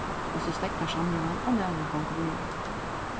og so steðgar samrøðan og maðurin gongur víðari